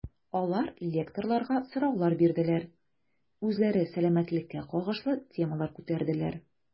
Алар лекторларга сораулар бирделәр, үзләре сәламәтлеккә кагылышлы темалар күтәрделәр.